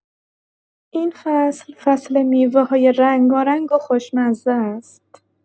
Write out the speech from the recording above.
این فصل، فصل میوه‌های رنگارنگ و خوشمزه است.